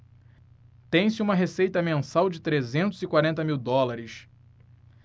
tem-se uma receita mensal de trezentos e quarenta mil dólares